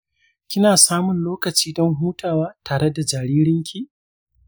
kina samun lokaci don hutawa tare da jaririnki?